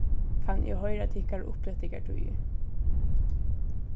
kann eg hoyra tykkara upplatingartíðir